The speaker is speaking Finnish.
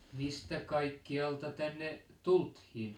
mistä kaikkialta tänne tultiin